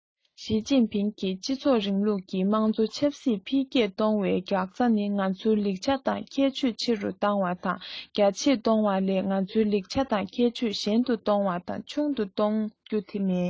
ཞིས ཅིན ཕིང གིས སྤྱི ཚོགས རིང ལུགས ཀྱི དམངས གཙོ ཆབ སྲིད འཕེལ རྒྱས གཏོང བའི འགག རྩ ནི ང ཚོའི ལེགས ཆ དང ཁྱད ཆོས ཆེ རུ གཏོང བ དང རྒྱ ཆེར གཏོང བ ལས ང ཚོའི ལེགས ཆ དང ཁྱད ཆོས ཞན དུ གཏོང བ དང ཆུང དུ གཏོང རྒྱུ དེ མིན